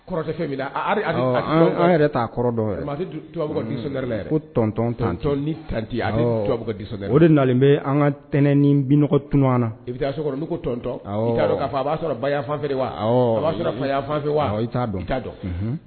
Tan o de bɛ an ka tɛnɛn ni binɔgɔ tun natɔn b sɔrɔ b'a dɔn